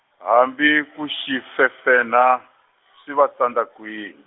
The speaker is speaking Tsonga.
hambi ku xi fefenha , swi va tsandza kwihi?